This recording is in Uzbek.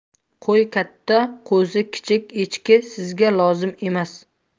qo'y katta qo'zi kichik echki sizga lozim emas